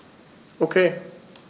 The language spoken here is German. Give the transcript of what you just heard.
Okay.